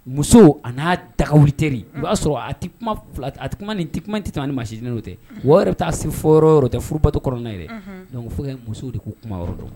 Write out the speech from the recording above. Musow a n'a ta wteri o y'a sɔrɔ a a kumaman tɛ tan ni ma siinin'o tɛ wɔɔrɔ wɛrɛ taa se fɔ yɔrɔ tɛ furubatɔ kɔnɔna ye fo musow de k'u kuma yɔrɔ don